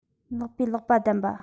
ལག པས ལག པ བསྡམས པ